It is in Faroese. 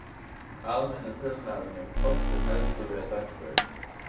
almennu tilmælini um kost og heilsu verða dagførd